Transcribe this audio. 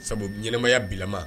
Sabu ɲɛnaɛnɛmaya bilama